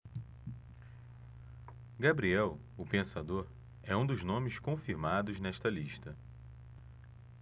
gabriel o pensador é um dos nomes confirmados nesta lista